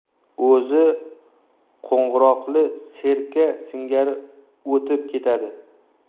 o'zi qo'ng'iroqli serka singari o'tib ketadi